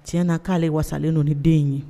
Tiɲɛ na kale wasalen don ni den nunun ye.